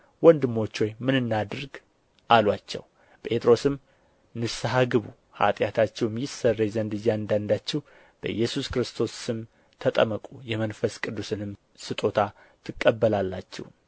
ወንድሞች ሆይ ምን እናድርግ አሉአቸው ጴጥሮስም ንስሐ ግቡ ኃጢአታችሁም ይሰረይ ዘንድ እያንዳንዳችሁ በኢየሱስ ክርስቶስ ስም ተጠመቁ የመንፈስ ቅዱስንም ስጦታ ትቀበላላችሁ